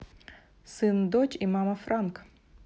сын дочь и мама франк